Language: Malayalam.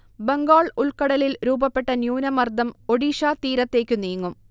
ബംഗാൾ ഉൾക്കടലിൽ രൂപപ്പെട്ട ന്യൂനമർദം ഒഡിഷാതീരത്തേക്ക് നീങ്ങും